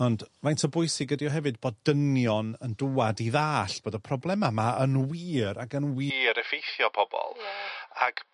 Ond faint o bwysig ydi o hefyd bod dynion yn dwad i dda'll bod y problema 'ma yn wir ac yn wir effeithio pobol. Ie. Ac